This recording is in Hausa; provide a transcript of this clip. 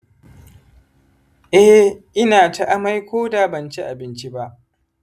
eh, ina ta amai ko da ban ci abinci ba